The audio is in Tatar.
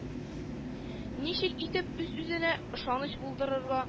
Ничек итеп үз-үзеңә ышаныч булдырырга